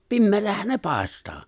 pimeällähän ne paistaa